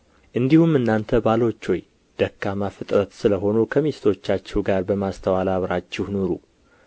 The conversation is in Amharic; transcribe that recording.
እንዲሁም እናንተ ባሎች ሆይ ደካማ ፍጥረት ስለ ሆኑ ከሚስቶቻችሁ ጋር በማስተዋል አብራችሁ ኑሩ